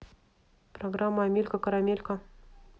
программа амелька карамелька